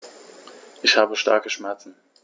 Ich habe starke Schmerzen.